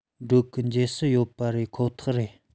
འགྲོ གུས མཇལ ཞུས ཡོད པ རེད ཁོ ཐག རེད